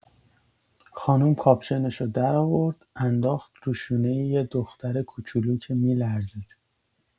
خانم کاپشنشو درآورد، انداخت رو شونه یه دختر کوچولو که می‌لرزید.